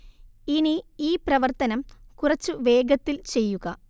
ഇനി ഈ പ്രവർത്തനം കുറച്ചു വേഗത്തിൽ ചെയ്യുക